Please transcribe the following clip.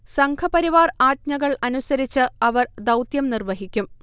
സംഘപരിവാർ ആജ്ഞകൾ അനുസരിച്ച് അവർ ദൗത്യം നിർവ്വഹിക്കും